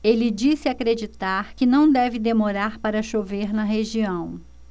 ele disse acreditar que não deve demorar para chover na região